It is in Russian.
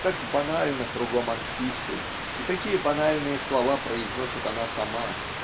так банально кругом Анфисы и такие банальные слова произносит она сама